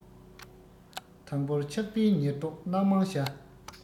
དང པོར ཆགས པའི ཉེར བསྡོགས རྣམ མང བྱ